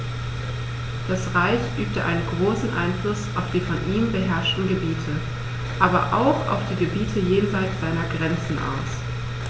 Das Reich übte einen großen Einfluss auf die von ihm beherrschten Gebiete, aber auch auf die Gebiete jenseits seiner Grenzen aus.